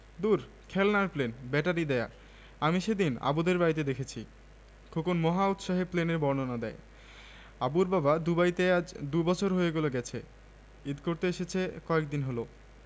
দূর খেলনার plane battery দেয়া আমি সেদিন আবুদের বাড়িতে দেখেছি খোকন মহা উৎসাহে প্লেনের বর্ণনা দেয় আবুর বাবা দুবাইতে আজ দুবছর হয়ে গেলো গেছে ঈদ করতে এসেছে কয়েকদিন হলো